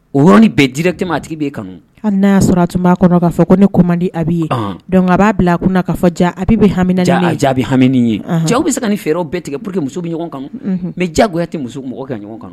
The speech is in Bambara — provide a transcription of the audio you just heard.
Ɔrɔnɔni bɛɛ dira te maa tigi bɛ e kanu hali n'aa sɔrɔ tun b'a kɔnɔ k'a fɔ ko ne koman di a bɛ ye dɔn a b'a bila a kun''a ja a bɛ bɛ hami jaabibi hamiini ye ja bɛ se ka nin fɛɛrɛw bɛɛ tigɛ pur bɛ ɲɔgɔn kan mɛ diyago tɛ muso mɔgɔ ka ɲɔgɔn kan